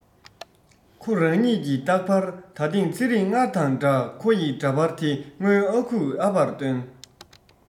ཁོ རང ཉིད ཀྱི རྟག པར ད ཐེངས ཚེ རིང སྔར དང འདྲ ཁོ ཡི འདྲ པར དེ སྔོན ཨ ཁུས ཨ ཕར སྟོན